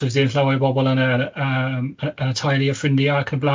does dim llawer o bobol yn yr yym yn y teulu a ffrindiau ac yn y blaen